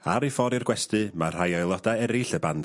Ar eu ffor i'r gwesty mae rhai aelodau eryll y band...